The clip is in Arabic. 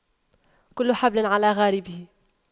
كل حبل على غاربه